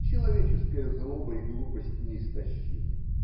Человеческая злоба и глупость неистощимы.